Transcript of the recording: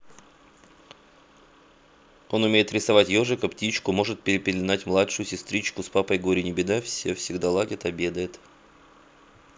он умеет рисовать ежика птичку может перепеленать младшую сестричку с папой горе не беда все всегда ладит обедает